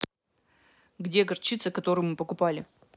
где горчицу которую мы покупали